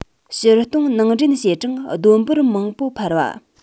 ཕྱིར གཏོང ནང འདྲེན བྱས གྲངས བསྡོམས འབོར མང པོ འཕར བ